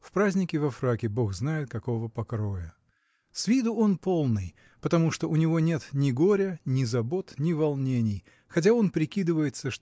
в праздники во фраке бог знает какого покроя. С виду он полный потому что у него нет ни горя ни забот ни волнений хотя он прикидывается